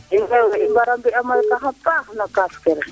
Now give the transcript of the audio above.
in i mbaraa moytu a paax no kaaf ke